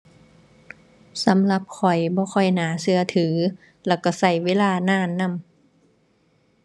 สำหรับข้อย บ่ค่อยน่าเชื่อถือ แล้วก็ก็เวลานานนำ